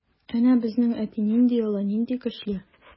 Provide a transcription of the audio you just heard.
Әнә безнең әти нинди олы, нинди көчле.